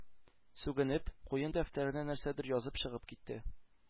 Сүгенеп, куен дәфтәренә нәрсәдер язып чыгып китте.